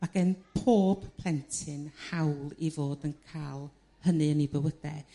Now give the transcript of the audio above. ma' gin pob plentyn hawl i fod yn ca'l hynny yn 'i bywyde.